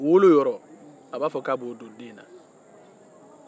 wolo yɔrɔ a b'a fɔ k'a b'o don den na